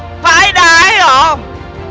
vãi đái hiểu không